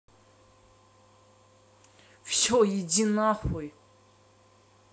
все иди нахуй